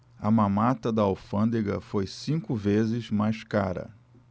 a mamata da alfândega foi cinco vezes mais cara